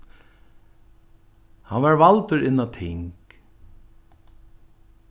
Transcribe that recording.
hann varð valdur inn á ting